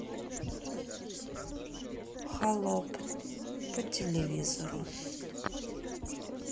холоп по телевизору